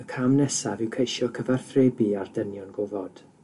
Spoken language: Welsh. y cam nesaf yw ceisio cyfathrebu a'r dynion gofod.